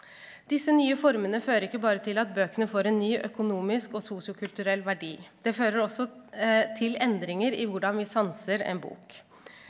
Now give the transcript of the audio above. disse nye formene fører ikke bare til at bøkene får en ny økonomisk og sosiokulturell verdi, det fører også til endringer i hvordan vi sanser en bok.